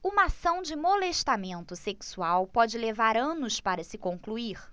uma ação de molestamento sexual pode levar anos para se concluir